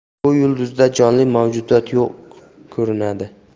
bu yulduzda jonli mavjudot yo'q ko'rinadi